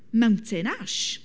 Mountain Ash.